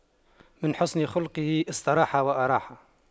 من حسن خُلُقُه استراح وأراح